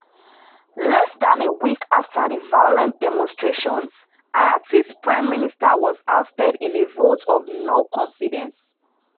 Less than a week after the violent demonstrations, Haiti's prime minister was ousted in a vote of no confidence.